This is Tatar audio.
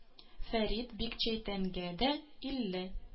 Фәрит Бикчәнтәйгә дә илле